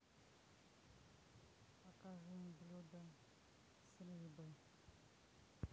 покажи блюда с рыбой